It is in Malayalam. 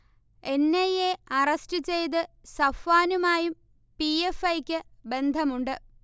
എൻ. ഐ. എ അറസ്റ്റ് ചെയ്ത് സഫ്വാനുമായും പി. എഫ്. ഐ. ക്ക് ബന്ധമുണ്ട്